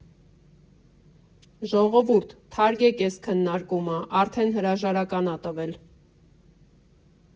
Ժողովուրդ, թարգեք էս քննարկումը, արդեն հրաժարական ա տվել։